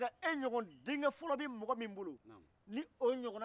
sabu i ka di cɛ ye a tɛ cogo jugu dɔ i la